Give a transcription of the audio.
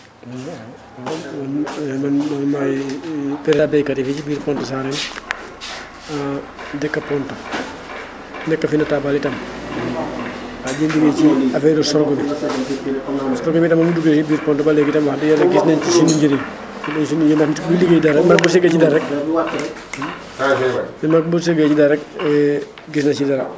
man maay président baykat yi fii ci biir Pointe Sarene dëkk Pointe nekk fa notable i tam di liggéey si affaire sorgho bi sorgho bi tamit bi mu duggee si biir Pointe ba léegi i tam wax dëgg yàlla gis nañu si suñu njëriñ * dara kuy liggéey dara bu sëggee si dara rek bu sëggee si dara rek gis na si dara